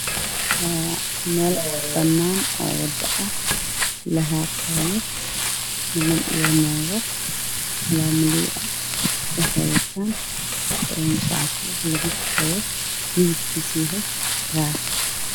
Waa meel banaan oo lixaqaayo niman iyo naaga ayaa jooga waxay haystaan xaqimaan dhinac ciyaaraan ay qabaan